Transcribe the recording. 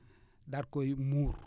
daal di koy muur